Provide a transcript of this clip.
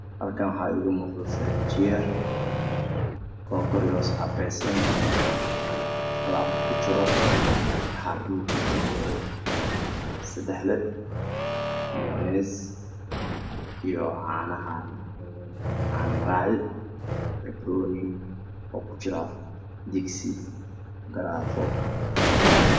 Halkaan waxaa iga muuqda filanjiyeer oo kor iyo hoos cabaysan alaab ku jiro waxaa ka mid ah een sadexle iyo nees iyo caanahan een caano maraaci banbanooni oo ku jira digsi garaafo